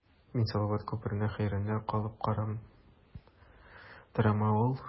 Мин салават күперенә хәйраннар калып карап торам, ә ул...